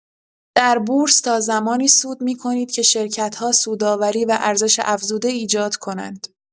در بورس تا زمانی سود می‌کنید که شرکت‌ها سودآوری و ارزش‌افزوده ایجاد کنند.